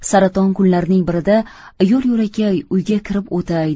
saraton kunlarining birida yo'l yo'lakay uyga kirib o'tay